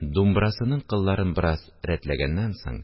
Думбрасының кылларын бераз рәтләгәннән соң,